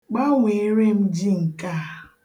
Gbanweere m ji nke a.